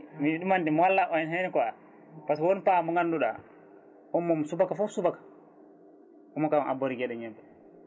min ɗumanti molnaɗo ne hen quoi par ce que woom pa ganduɗa on moom subaka foof subaka omo kam abbori gueɗe ñebbe